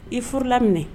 I furu laminɛ